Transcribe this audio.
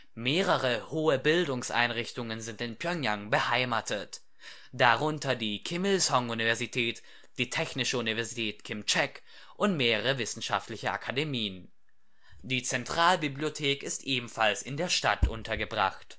Mehrere höhere Bildungseinrichtungen sind in Pjöngjang beheimatet, darunter die Kim-Il-sung-Universität, die Technische Universität Kim-Ch'aek und mehrere wissenschaftliche Akademien. Die Zentralbibliothek ist ebenfalls in der Stadt untergebracht